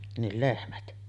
niin lehmät